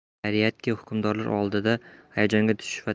xayriyatki hukmdorlar oldida hayajonga tushish va